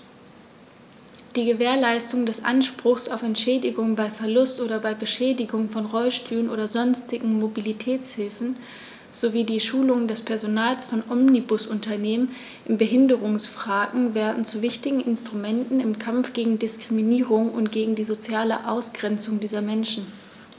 Die Gewährleistung des Anspruchs auf Entschädigung bei Verlust oder Beschädigung von Rollstühlen oder sonstigen Mobilitätshilfen sowie die Schulung des Personals von Omnibusunternehmen in Behindertenfragen werden zu wichtigen Instrumenten im Kampf gegen Diskriminierung und gegen die soziale Ausgrenzung dieser Menschen.